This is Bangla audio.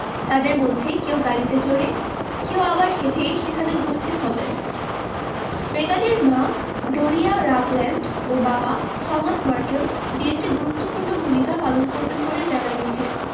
তাঁদের মধ্যে কেউ গাড়িতে চড়ে কেউ আবার হেঁটেই সেখানে উপস্থিত হবেন মেগানের মা ডোরিয়া রাগল্যান্ড ও বাবা থমাস মার্কেল বিয়েতে গুরুত্বপূর্ণ ভূমিকা পালন করবেন বলে জানা গেছে